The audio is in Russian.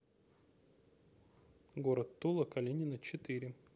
город тула калинина четыре